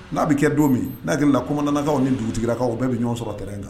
N'a bɛ kɛ don min n'a hakili na ko nakaw ni dugutigila kkawaw bɛɛ bɛ ɲɔgɔn sɔrɔ kɛ in kan